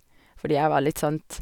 Fordi jeg var litt sånt...